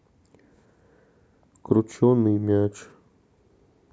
крученый мяч